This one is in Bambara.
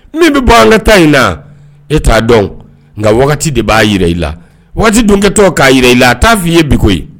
Min bɛ bɔ an ka taa in na e t'a dɔn nka wagati de b'a jira i la waati dunkɛtɔ k'a jira i la a t'a fɔ ii ye bi koyi ye